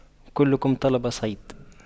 كلكم طلب صيد